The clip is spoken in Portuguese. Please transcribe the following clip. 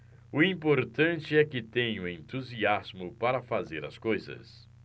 o importante é que tenho entusiasmo para fazer as coisas